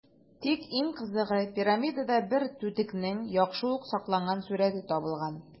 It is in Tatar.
Тик иң кызыгы - пирамидада бер түтекнең яхшы ук сакланган сурəте табылган.